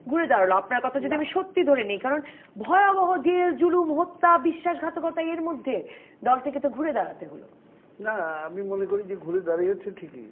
ঘুরে দাঁড়ালো আপনার কথা যদি আমি সত্যি ধরে নেই কারণ ভয়াবহ জেল-জুলুম হত্যা বিশ্বাসঘাতকতা এর মধ্যে দলটিকে তো ঘুরে দাঁড়াতে হলো না আমি মনে করি যে ঘুরে দাঁড়িয়েছে ঠিকই